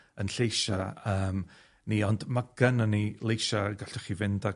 'yn lleisia' yym ni ond ma' gynnon ni leisia' gallwch chi fynd a